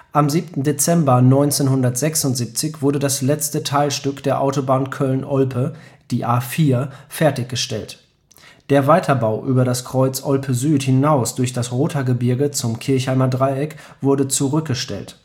Am 7. Dezember 1976 wurde das letzte Teilstück der Autobahn Köln – Olpe (A 4) fertiggestellt; der Weiterbau über das Kreuz Olpe Süd hinaus durch das Rothaargebirge zum Kirchheimer Dreieck wurde zurückgestellt